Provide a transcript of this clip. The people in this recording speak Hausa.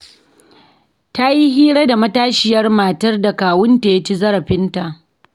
Ta yi hira da matashiyar matar da kawunta ya ci zarafinta.